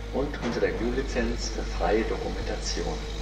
und unter der GNU Lizenz für freie Dokumentation